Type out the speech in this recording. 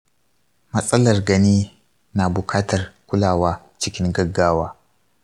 matsalar gani na bukatar kulawa cikin gaggawa.